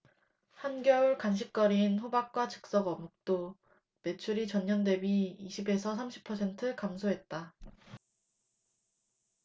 한겨울 간식거리인 호빵과 즉석어묵도 매출이 전년대비 이십 에서 삼십 퍼센트 감소했다